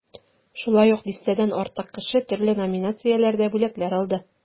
Шулай ук дистәдән артык кеше төрле номинацияләрдә бүләкләр алды.